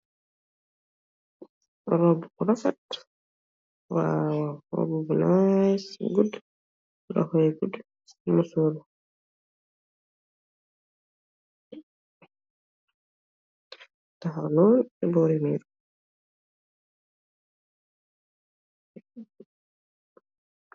jigeen bu sol robu bu bulo tek tahawu.